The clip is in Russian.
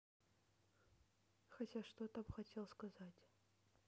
хотя что там хотел сказать